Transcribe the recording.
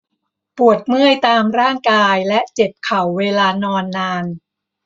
ปวดเมื่อยตามร่างกายและเจ็บเข่าเวลานอนนาน